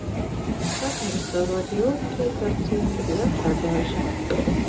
как нарисовать легкие картинки для продажи